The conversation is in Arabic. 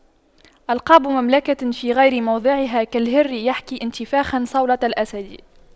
ألقاب مملكة في غير موضعها كالهر يحكي انتفاخا صولة الأسد